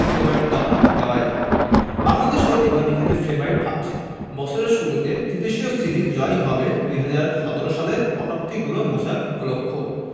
favourite তকমা দেওয়াই যায় বাংলাদেশও এবার নিজেদের ফেবারিট ভাবছে বছরের শুরুতে ত্রিদেশীয় সিরিজ জয়ই হবে ২০১৭ সালের অপ্রাপ্তিগুলো মোছার উপলক্ষও